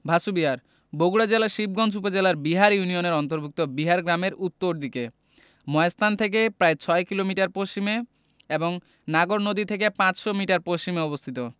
ভাসু বিহার বগুড়া জেলার শিবগঞ্জ উপজেলার বিহার ইউনিয়নের অন্তর্ভুক্ত বিহার গ্রামের উত্তর দিকে মহাস্থান থেকে প্রায় ৬ কিলোমিটার পশ্চিমে এবং নাগর নদী থেকে ৫০০ মিটার পশ্চিমে অবস্থিত